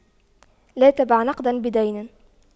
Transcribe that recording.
لا تبع نقداً بدين